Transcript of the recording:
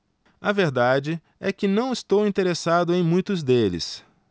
a verdade é que não estou interessado em muitos deles